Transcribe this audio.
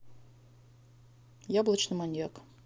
яблочный маньяк